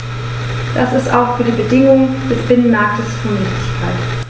Das ist auch für die Bedingungen des Binnenmarktes von Wichtigkeit.